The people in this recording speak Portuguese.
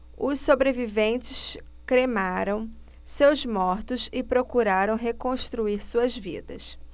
os sobreviventes cremaram seus mortos e procuram reconstruir suas vidas